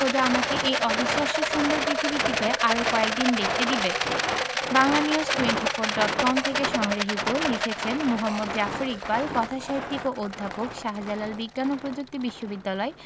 খোদা আমাকে এই অবিশ্বাস্য সুন্দর পৃথিবীটিকে আরো কয়দিন দেখতে দেবে বাংলানিউজ টোয়েন্টিফোর ডট কম থেকে সংগৃহীত লিখেছেন মুহাম্মদ জাফর ইকবাল কথাসাহিত্যিক ও অধ্যাপক শাহজালাল বিজ্ঞান ও প্রযুক্তি বিশ্ববিদ্যালয়